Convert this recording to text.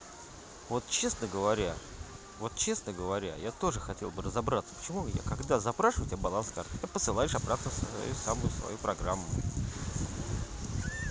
вот честно говоря я тоже хотел бы разобраться почему я когда запрашиваю у тебя баланс карты ты меня посылаешь обратно в свою самую свою программу